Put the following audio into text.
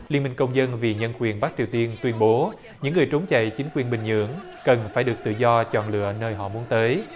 liên minh công dân vì nhân quyền bắc triều tiên tuyên bố những người trốn chạy chính quyền bình nhưỡng cần phải được tự do chọn lựa nơi họ muốn tới